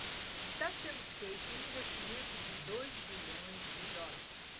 está sendo feito um investimento de dois bilhões de dólares